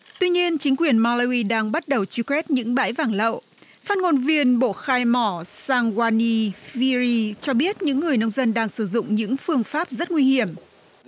tuy nhiên chính quyền ma la uy đang bắt đầu truy quét những bãi vàng lậu phát ngôn viên bộ khai mỏ sang goa ni mia ri cho biết những người nông dân đang sử dụng những phương pháp rất nguy hiểm